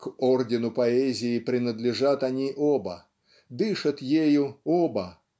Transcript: К ордену поэзии принадлежат они оба дышат ею оба